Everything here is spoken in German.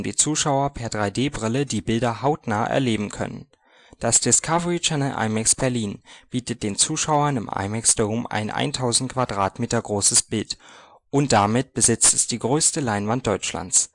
Zuschauer per 3D-Brille die Bilder hautnah erleben können. Das " Discovery Channel IMAX Berlin " bietet den Zuschauern im IMAX Dome ein 1000 m2 großes Bild und damit besitzt es die größte Leinwand Deutschlands